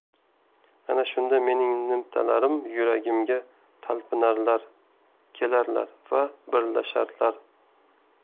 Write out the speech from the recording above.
ana shunda mening nimtalarim yuragimga talpinarlar kelarlar va birlasharlar